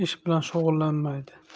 ish bilan shug'ullanmaydi